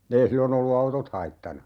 ei silloin ollut autot haittana